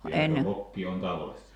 vieläkö vokki on tallessa